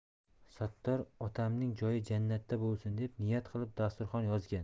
sattor otamning joyi jannatda bo'lsin deb niyat qilib dasturxon yozgan